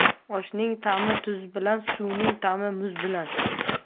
oshning ta'mi tuz bilan suvning t'a'mi muz bilan